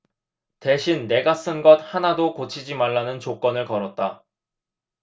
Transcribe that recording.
대신 내가 쓴 것 하나도 고치지 말라는 조건을 걸었다